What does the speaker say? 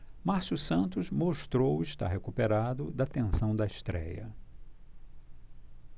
márcio santos mostrou estar recuperado da tensão da estréia